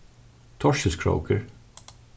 torkilskrókur